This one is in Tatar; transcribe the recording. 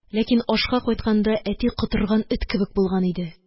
Ләкин ашка кайтканда, әти котырган эт кебек булган иде.